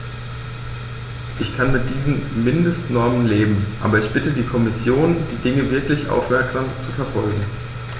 Ich kann mit diesen Mindestnormen leben, aber ich bitte die Kommission, die Dinge wirklich aufmerksam zu verfolgen.